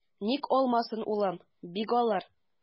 Ник алмасын, улым, бик алыр.